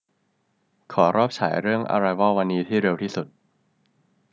ขอรอบฉายเรื่องอะไรวอลวันนี้ที่เร็วที่สุด